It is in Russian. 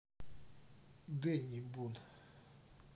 денни бун